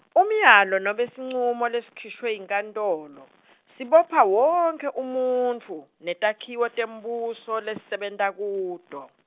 umyalo nome sincumo lesikhishwe yinkantolo, sibopha wonkhe umuntfu, netakhiwo tembuso lesisebenta kuto.